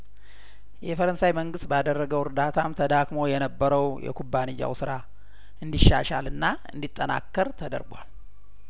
የፈረንሳይ መንግስት ባደረገው እርዳታም ተዳክሞ የነበረው የኩባንያው ስራ እንዲሻሻልና እንዲጠናከር ተደርጓል